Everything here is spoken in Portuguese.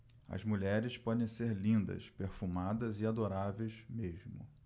as mulheres podem ser lindas perfumadas e adoráveis mesmo